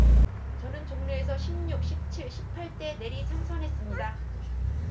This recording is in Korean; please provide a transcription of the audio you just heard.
저는 종로에서 십 육 십 칠 십 팔 대 내리 삼선했습니다